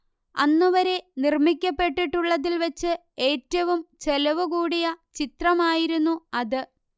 അന്നുവരെ നിർമ്മിക്കപ്പെട്ടിട്ടുള്ളതിൽവച്ച് ഏറ്റവും ചെലവുകൂടിയ ചിത്രമായിരുന്നു അത്